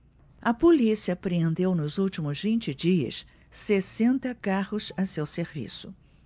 a polícia apreendeu nos últimos vinte dias sessenta carros a seu serviço